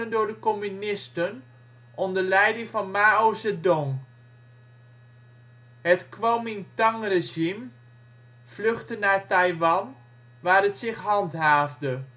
door de communisten onder leiding van Mao Zedong. Het Kwomintang-regime vluchtte naar Taiwan, waar het zich handhaafde